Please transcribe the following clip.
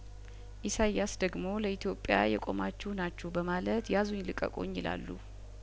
ኢሳይያስ ደግሞ ለኢትዮጵያ የቆማችሁ ናችሁ በማለት ያዙኝ ልቀቁኝ ይላሉ